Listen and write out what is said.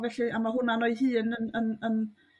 felly? A ma' hwna'n o'i hyn y yn